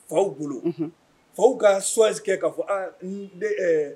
Faw bolo faw ka sowasi kɛ k kaa fɔ aa